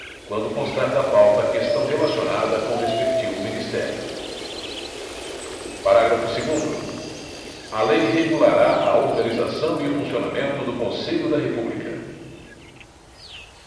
quando constar da pauta questão relacionada com o respectivo ministério parágrafo segundo a lei regulará a organização e o funcionamento do conselho da república